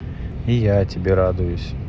и я тебе радуюсь